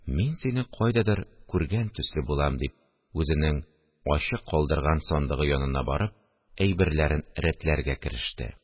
– мин сине кайдадыр күргән төсле булам, – дип, үзенең ачык калдырган сандыгы янына барып, әйберләрен рәтләргә кереште